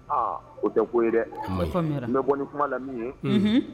Aa o tɛ ko ye dɛ, a faamuya ra, n bɛ bɔ kuma la min ye, unhun